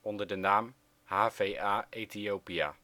onder de naam HVA Ethiopia